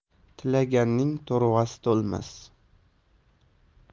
tilanganning to'rvasi to'lmas